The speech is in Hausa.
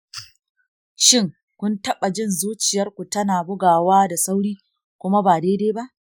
shin, kun taɓa jin zuciyar ku tana bugawa da sauri kuma ba daidai ba?